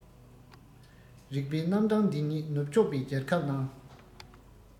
རིག པའི རྣམ གྲངས འདི ཉིད ནུབ ཕྱོགས པའི རྒྱལ ཁབ ནང